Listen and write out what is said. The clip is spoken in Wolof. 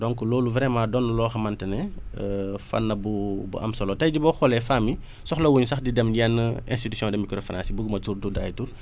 donc loolu vraiment doon na loo xamante ne fànn bu bu am solo tey jii boo xoolee femmes yi soxlawuñ sax di dem yenn institutions de microfinance yi buggu ma tudd ay tur